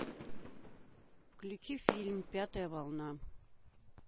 включи фильм пятая волна